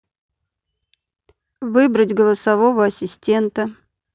выбрать голосового ассистента